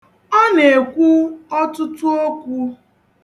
Ọ na-ekwu ọtụtụ okwu.